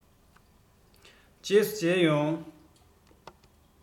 རྗེས སུ མཇལ ཡོང